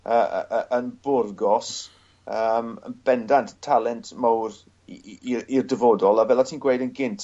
y- y- y- yn Burgos yym yn bendant talent mowr i i i'r i'r dyfodol a fel o' ti'n gweud yn gynt